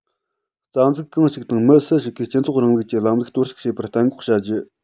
རྩ འཛུགས གང ཞིག དང མི སུ ཞིག གིས སྤྱི ཚོགས རིང ལུགས ཀྱི ལམ ལུགས གཏོར བཤིག བྱེད པར གཏན འགོག བྱ རྒྱུ